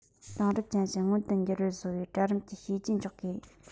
དེང རབས ཅན བཞི མངོན དུ འགྱུར བར བཟོ པའི གྲལ རིམ གྱིས བྱས རྗེས འཇོག དགོས